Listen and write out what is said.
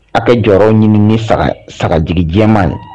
Aw kɛ jɔyɔrɔ ɲini saga sagajjɛ ma na